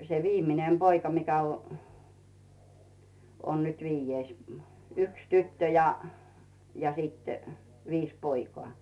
se viimeinen poika mikä - on nyt viides - yksi tyttö ja ja sitten viisi poikaa